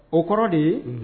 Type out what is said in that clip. O kɔrɔ de ye